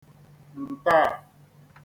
ǹtaa